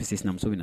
U bɛ se sinamuso na